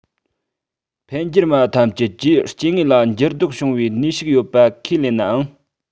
འཕེལ འགྱུར སྨྲ བ ཐམས ཅད ཀྱིས སྐྱེ དངོས ལ འགྱུར ལྡོག བྱུང བའི ནུས ཤུགས ཡོད པ ཁས ལེན ནའང